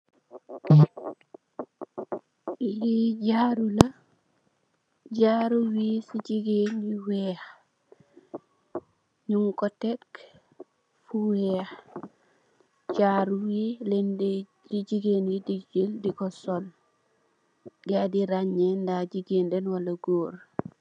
Li jaaro la, jaaro wiiss yi jigéen yu weeh, nung ko tekk fu weeh. Jaaro yi leen dè li jigéen yi di jël diko sol. Guy di rangnè dah jigéen leen wala gòor.